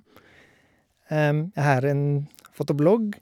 Jeg har en fotoblogg.